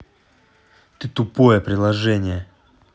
ты тупое приложение